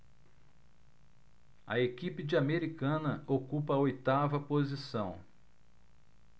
a equipe de americana ocupa a oitava posição